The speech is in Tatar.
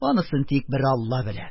Анысын тик бер алла белә.